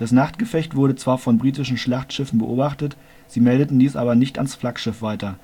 Nachtgefecht wurde zwar von britischen Schlachtschiffen beobachtet, sie meldeten dies aber nicht ans Flaggschiff weiter